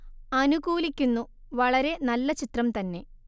അനുകൂലിക്കുന്നു വളരെ നല്ല ചിത്രം തന്നെ